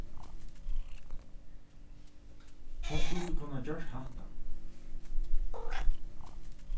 hon skuldi kunnað gjørt hatta